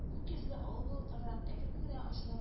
Күк йөзле, авыл болытлардан әкрен-әкрен генә арчылып